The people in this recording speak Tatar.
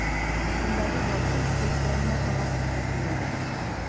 Битендәге ялкын чәчләренә кабар төсле тоелды.